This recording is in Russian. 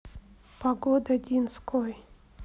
погода динской